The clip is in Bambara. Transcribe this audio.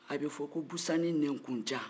a bɛ fɔ ko busanni nɛnkunjan